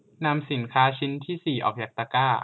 นำสินค้าชิ้นที่สี่ออกจากตะกร้า